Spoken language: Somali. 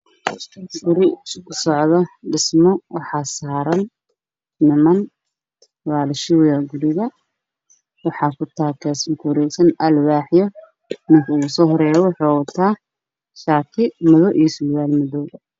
Halkaan waxaa ka muuqdo guri aas aaska la dhisaayo waxaana ku xiran alwaax iyo biro shub ah